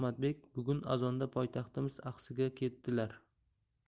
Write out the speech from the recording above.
ahmadbek bugun azonda poytaxtimiz axsiga ketdilar